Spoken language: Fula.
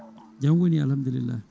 jaam woni Alahamdulillahi